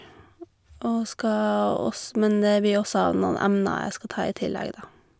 og skal ogs Men det blir også av noen emner jeg skal ta i tillegg, da.